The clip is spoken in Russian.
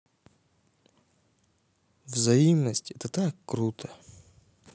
взаимность это так круто